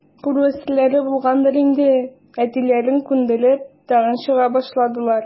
Күрәселәре булгандыр инде, әтиләрен күндереп, тагын чыга башладылар.